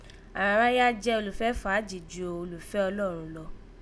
Àghan iráyé a jẹ́ olùfẹ́ fàájì jù olùfẹ́ Ọlọ́run lo